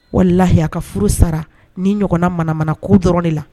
Wala lahiya ka furu sara ni ɲɔgɔnna maramana ku dɔrɔn de la